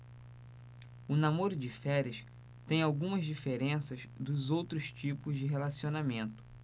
o namoro de férias tem algumas diferenças dos outros tipos de relacionamento